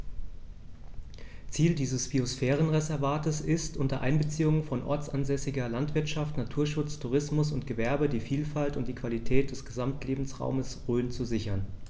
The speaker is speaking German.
Ziel dieses Biosphärenreservates ist, unter Einbeziehung von ortsansässiger Landwirtschaft, Naturschutz, Tourismus und Gewerbe die Vielfalt und die Qualität des Gesamtlebensraumes Rhön zu sichern.